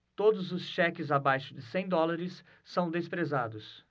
todos os cheques abaixo de cem dólares são desprezados